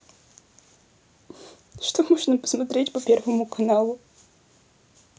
что можно посмотреть по первому каналу